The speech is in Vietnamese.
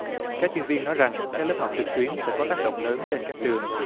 các chuyên viên nói rằng các lớp học trực tuyến sẽ có tác động lớn lên các trường